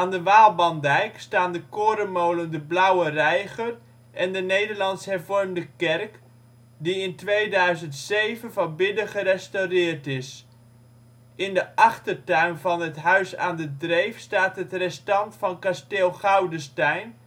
de Waalbandijk staan de korenmolen De Blauwe Reiger en de Nederlands Hervormde Kerk, die in 2007 van binnen gerestaureerd is. In de achtertuin van een huis aan de Dreef staat het restant van kasteel Goudenstein